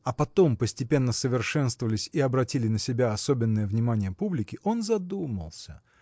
а потом постепенно совершенствовались и обратили на себя особенное внимание публики он задумался